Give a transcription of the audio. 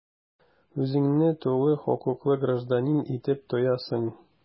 Үзеңне тулы хокуклы гражданин итеп тоясың.